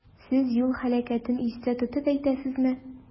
Сез юл һәлакәтен истә тотып әйтәсезме?